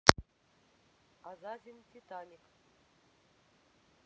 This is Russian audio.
азазин титаник